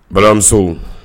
Baramuso